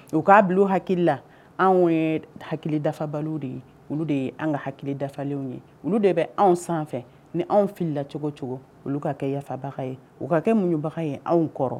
O k'a bila hakilila anw ye hakili dafaba de ye olu de ye an ka hakili dafalen ye olu de bɛ anw sanfɛ ni anw filila cogo cogo olu ka kɛ yafabaga ye u ka kɛ munɲbaga ye anw kɔrɔ